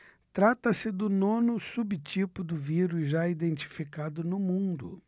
trata-se do nono subtipo do vírus já identificado no mundo